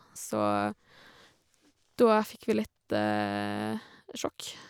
Så da fikk vi litt sjokk.